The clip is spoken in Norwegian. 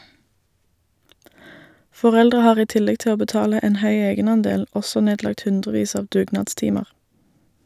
Foreldre har i tillegg til å betale en høy egenandel også nedlagt hundrevis av dugnadstimer.